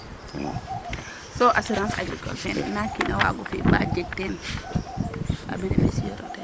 so assurance agricole fene na kiin a waagu fi' baa jeg teen a beneficiaire ox teen